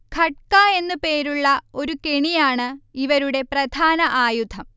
ഖട്ക എന്നു പേരുള്ള ഈ കെണിയാണ് ഇവരുടെ പ്രധാന ആയുധം